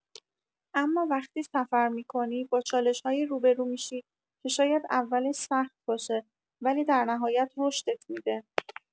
اما وقتی سفر می‌کنی، با چالش‌هایی روبه‌رو می‌شی که شاید اولش سخت باشه، ولی در نهایت رشدت می‌ده.